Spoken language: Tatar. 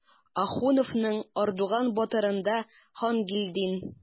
Ахуновның "Ардуан батыр"ында Хангилдин.